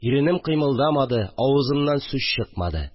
Иренем кыймылдамады, авызымнан сүз чыкмады